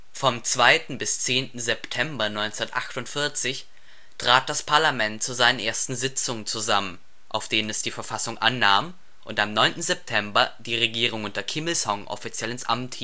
Vom 2. bis 10. September 1948 trat das Parlament zu seinen ersten Sitzungen zusammen, auf denen es die Verfassung annahm und am 9. September die Regierung unter Kim Il-sung offiziell ins Amt hievte